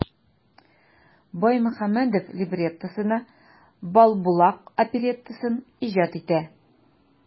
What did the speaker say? Баймөхәммәдев либреттосына "Балбулак" опереттасын иҗат итә.